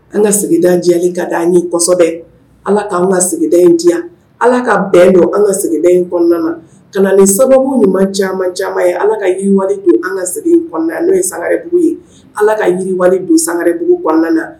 An ka sigida diyali ka d an ɲɛ kɔsɔ kosɛbɛ ala k kaan ka sigida in diya ala ka bɛn don an kada in kɔnɔna na ka na ni sababu ɲuman caman caman ye ala ka yiriwa don an ka segin n'o ye sangadugu ye ala ka yiri don sangaduguɔnan na